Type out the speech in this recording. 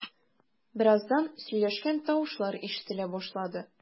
Бераздан сөйләшкән тавышлар ишетелә башлады.